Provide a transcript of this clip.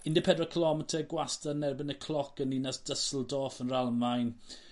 Un de' pedwar cilometer gwastad yn erbyn y cloc yn ninas Düsseldorf yn yr Almaen.